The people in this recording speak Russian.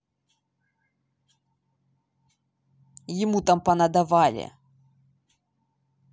ему там понадавали